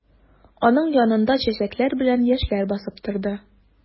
Аның янында чәчәкләр белән яшьләр басып торды.